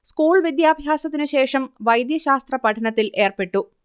school വിദ്യാഭ്യാസത്തിനുശേഷം വൈദ്യശാസ്ത്ര പഠനത്തിൽ ഏർപ്പെട്ടു